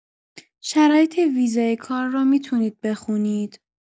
شرایط ویزای کار رو می‌تونید بخونید.